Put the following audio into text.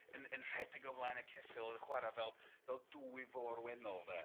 yn yn rhedeg o flaen y ceffyl yn chwara fel fel dwy fôr wennol de.